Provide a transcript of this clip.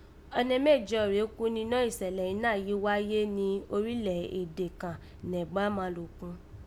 Ọnẹ mẹ́jo rèé ku ninọ́ ìsẹ̀lẹ̀ iná yìí wáyé ni orílẹ̀ èdè kàn nẹ̀bá malòkun